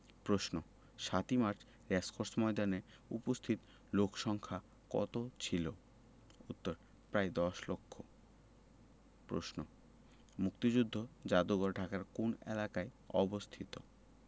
প্রশ্ন ৭ই March racecourse ময়দানে উপস্থিত লোকসংক্ষা কত ছিলো উত্তর প্রায় দশ লক্ষ প্রশ্ন মুক্তিযুদ্ধ যাদুঘর ঢাকার কোন এলাকায় অবস্থিত